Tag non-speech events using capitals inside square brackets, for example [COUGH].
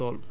[HESITATION] [HESITATION]